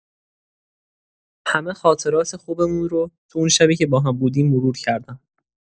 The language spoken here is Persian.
همه خاطرات خوبمون رو تو اون شبی که با هم بودیم، مرور کردم.